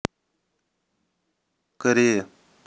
корея